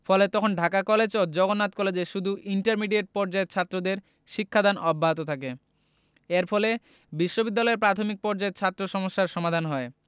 ফলে তখন ঢাকা কলেজ ও জগন্নাথ কলেজে শুধু ইন্টারমিডিয়েট পর্যায়ের ছাত্রদের শিক্ষাদান অব্যাহত থাকে এর ফলে বিশ্ববিদ্যালয়ে প্রাথমিক পর্যায়ে ছাত্র সমস্যার সমাধান হয়